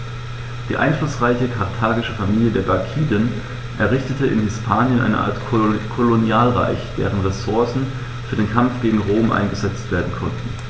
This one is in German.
Die einflussreiche karthagische Familie der Barkiden errichtete in Hispanien eine Art Kolonialreich, dessen Ressourcen für den Kampf gegen Rom eingesetzt werden konnten.